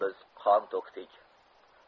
biz qon to'kdik